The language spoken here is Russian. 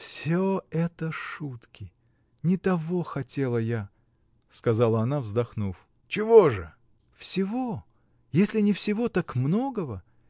— Всё это шутки: не того хотела я! — сказала она, вздохнув. — Чего же? — Всего! Если не всего, так многого!